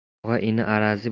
og'a ini arazli